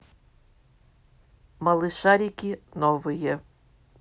малышарики новые